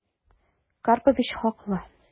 Карпович хаклы...